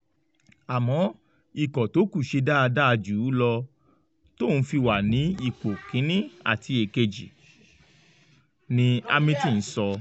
Àmọ́ ikọ̀ tó kù ṣe dáadáa jù ú lọ t’ọ́n fi wà ní ipò 1 àti 2,” ni Hamilton sọ.